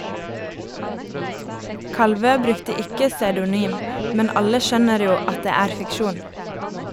Kalvø brukte ikke pseudonym, men alle skjønner jo at det er fiksjon.